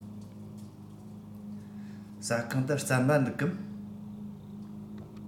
ཟ ཁང དུ རྩམ པ འདུག གམ